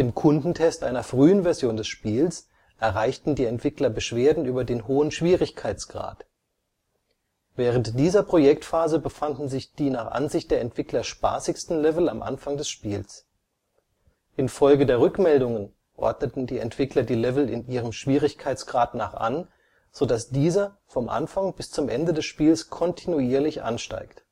Kundentest einer frühen Version des Spiels erreichten die Entwickler Beschwerden über den hohen Schwierigkeitsgrad. Während dieser Projektphase befanden sich die nach Ansicht der Entwickler spaßigsten Level am Anfang des Spiels. Infolge der Rückmeldungen ordneten die Entwickler die Level ihrem Schwierigkeitsgrad nach an, sodass dieser vom Anfang bis zum Ende des Spiels kontinuierlich ansteigt